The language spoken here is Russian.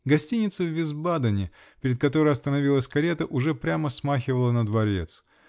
Гостиница в Висбадене, перед которой остановилась карета, уже прямо смахивала на дворец.